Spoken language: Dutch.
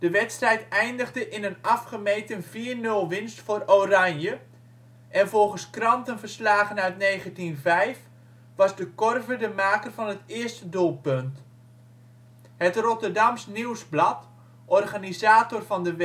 wedstrijd eindigde in een afgemeten 4-0 winst voor Oranje, en volgens krantenverslagen uit 1905 was De Korver de maker van het eerste doelpunt. Het Rotterdamsch Nieuwsblad, organisator van de